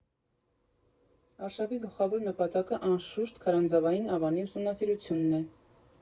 Արշավի գլխավոր նպատակը, անշուշտ, քարանձավային ավանի ուսումնասիրությունն է։